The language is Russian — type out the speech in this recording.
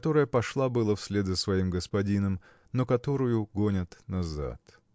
которая пошла было вслед за своим господином но которую гонят назад.